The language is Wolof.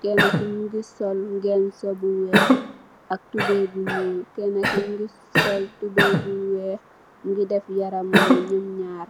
kena ki mogi sol ngenso bu weex ak tubai bu nuul kena ki mogi sol tubai bu weex mogi def yarami neen nyom naar.